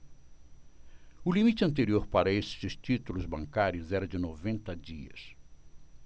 o limite anterior para estes títulos bancários era de noventa dias